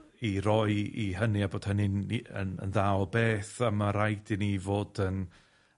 'i roi i hynny a bod hynny'n i- yn yn dda o beth, a ma' raid i ni fod yn